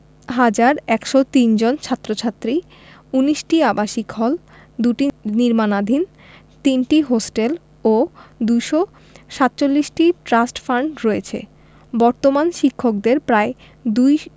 হাজার ১০৩ জন ছাত্র ছাত্রী ১৯টি আবাসিক হল ২টি নির্মাণাধীন ৩টি হোস্টেল ও ২৪৭টি ট্রাস্ট ফান্ড রয়েছে বর্তমান শিক্ষকদের প্রায় দুই